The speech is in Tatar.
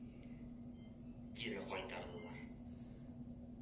Кире кайтардылар